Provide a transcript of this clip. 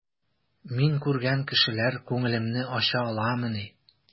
Мин күргән кешеләр күңелемне ача аламыни?